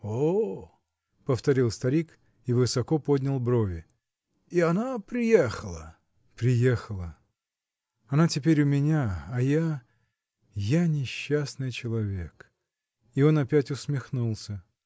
-- О-о, -- повторил старик и высоко поднял брови. -- И она приехала? -- Приехала. Она теперь у меня; а я. я несчастный человек. И он опять усмехнулся.